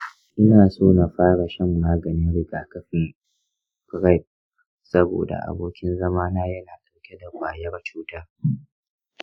inaso na fara shan maganin rigakafin prep saboda abokin zamana yana ɗauke da ƙwayar cutar.